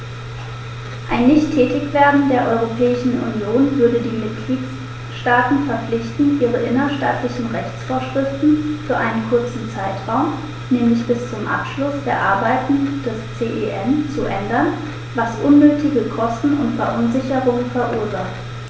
Ein Nichttätigwerden der Europäischen Union würde die Mitgliedstaten verpflichten, ihre innerstaatlichen Rechtsvorschriften für einen kurzen Zeitraum, nämlich bis zum Abschluss der Arbeiten des CEN, zu ändern, was unnötige Kosten und Verunsicherungen verursacht.